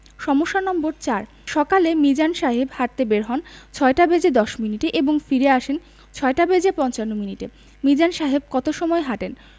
সমস্যা নম্বর ৪ সকালে মিজান সাহেব হাঁটতে বের হন ৬টা বেজে ১০ মিনিটে এবং ফিরে আসেন ৬টা বেজে পঞ্চান্ন মিনিটে মিজান সাহেব কত সময় হাঁটেন